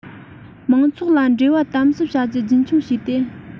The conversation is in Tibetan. མང ཚོགས ལ འབྲེལ བ དམ ཟབ བྱ རྒྱུ རྒྱུན འཁྱོངས བྱས ཏེ